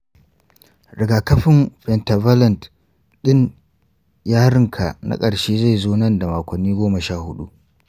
rigakafin pentavalent din yarin ka na karshe zai zo nan da makonni goma sha hudu